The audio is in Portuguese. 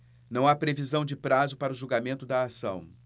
não há previsão de prazo para o julgamento da ação